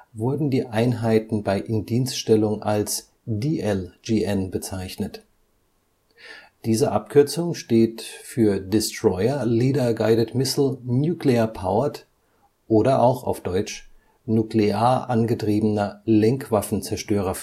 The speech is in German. wurden die Einheiten bei Indienststellung als DLGN bezeichnet. Diese Abkürzung steht für Destroyer Leader Guided Missile nuclear powered oder nuklear angetriebener Lenkwaffenzerstörerführer